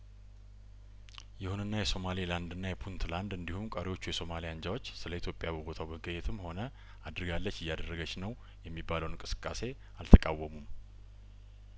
ይሁንና የሶማሌ ላንድና የፑንትላንድ እንዲሁም ቀሪዎቹ የሶማሊያ አንጃዎች ስለኢትዮጵያ በቦታው መገኘትም ሆነ አድርጋለች እያደረገች ነው የሚባለውን እንቅስቃሴ አልተቃወሙም